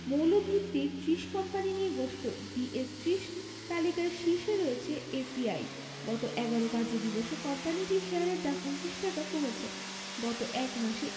মৌলভিত্তির ৩০ কোম্পানি নিয়ে গঠিত ডিএস ৩০ তালিকার শীর্ষে রয়েছে এসিআই গত ১১ কার্যদিবসে কোম্পানিটির শেয়ারের দাম ৩৯ টাকা কমেছে গত এক মাসে